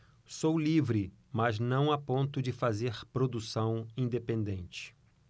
sou livre mas não a ponto de fazer produção independente